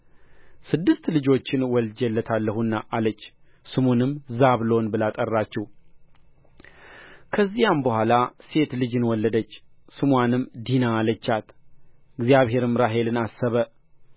ስድስት ልጆችን ወልጄለታለሁና አለች ስሙንም ዛብሎን ብላ ጠራችው ከዚያም በኋላ ሴት ልጅን ወለደች ስምዋንም ዲና አለቻት እግዚአብሔርም ራሔልን አሰበ